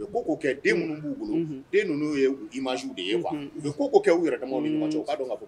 U'o kɛ den b'u bolo den ninnu'o ye masiw de ye u bɛ ko' kɛ u yɛrɛ dɔn